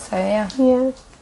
So ie. Ie.